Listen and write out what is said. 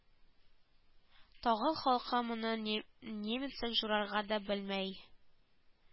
Тагыл халкы моны нем немецәк җурарга да белмәй